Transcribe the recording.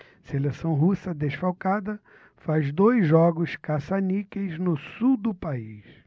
seleção russa desfalcada faz dois jogos caça-níqueis no sul do país